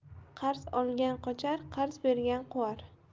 qarz olgan qochar qarz bergan quvar